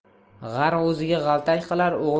g'ar o'ziga g'altak qilar